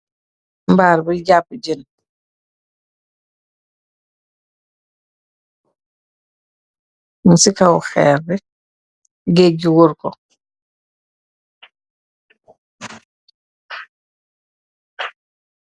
Mbal bi japu jen, nig si kaw xheer bi géj ju wor ko